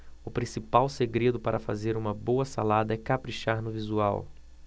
o principal segredo para fazer uma boa salada é caprichar no visual